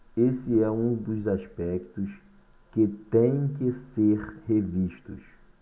esse é um dos aspectos que têm que ser revistos